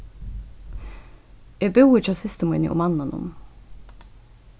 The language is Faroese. eg búði hjá systur míni og manninum